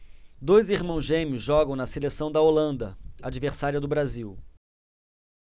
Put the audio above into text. dois irmãos gêmeos jogam na seleção da holanda adversária do brasil